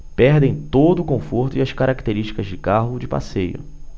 perdem todo o conforto e as características de carro de passeio